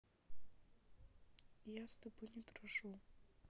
я с тобой не дружу